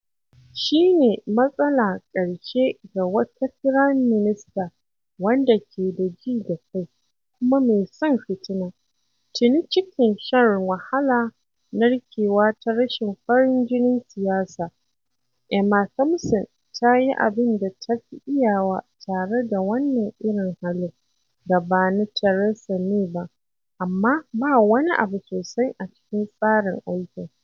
Shi ne matsala ƙarshe ga wata firaminista wanda ke da ji da kai kuma mai son fitina, tuni cikin shan wahala narkewa ta rashin farin jinin siyasa: Emma Thompson ta yi abin da tafi iyawa tare da wannan irin halin da ba na Teresa May ba amma ba wani abu sosai a cikin tsarin aikin.